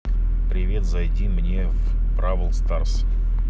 привет зайди мне в бравл старс